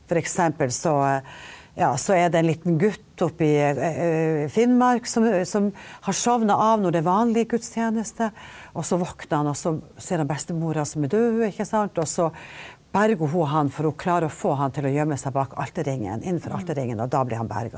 f.eks. så ja så er det en liten gutt oppi Finnmark som som har sovna av når det er vanlig gudstjeneste, også våkner han også ser han bestemora som er død ikke sant, også berger hun han for hun klarer å få han til å gjømme seg bak alterringen, innenfor alterringen, og då blir han berga.